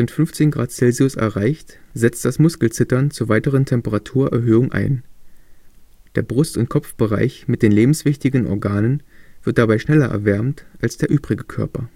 15 Grad Celsius erreicht, setzt das Muskelzittern zur weiteren Temperaturerhöhung ein. Der Brust - und Kopfbereich mit den lebenswichtigen Organen wird dabei schneller erwärmt als der übrige Körper